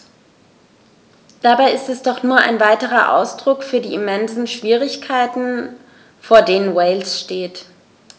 Dabei ist es doch nur ein weiterer Ausdruck für die immensen Schwierigkeiten, vor denen Wales steht.